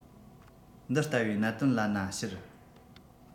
འདི ལྟ བུའི གནད དོན ལ ན ཕྱུར